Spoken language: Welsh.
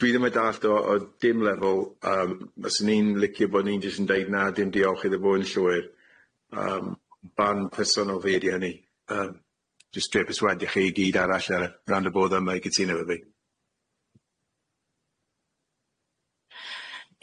dwi ddim yn dallt o o dim lefel yym fyswn i'n licio bo' ni'n jys yn deud na dim diolch iddo fo yn llwyr yym barn personol fi ydi hynny yym jys drie perswadio chi i gyd arall ar yy ran y bodd yma i gytuno efo fi.